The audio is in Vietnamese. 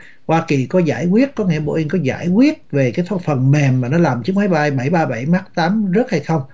hoa kỳ có giải quyết có nghĩa bô ing có giải quyết về cái phầng mềm mà nó làm chiếc máy bay bảy ba bảy mắc tám rớt hay không